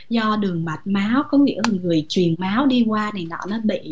do đường mạch máu có nghĩa là người truyền máu đi qua này nọ nó bị